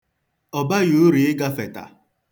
Ọ baghị uru ịgafeta.